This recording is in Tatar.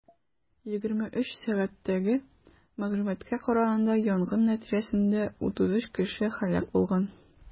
23:00 сәгатьтәге мәгълүматка караганда, янгын нәтиҗәсендә 37 кеше һәлак булган.